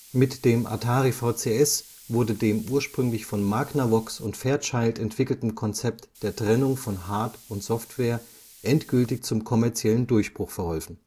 Mit dem Atari VCS wurde dem ursprünglich von Magnavox und Fairchild entwickeltem Konzept der Trennung von Hard - und Software endgültig zum kommerziellen Durchbruch verholfen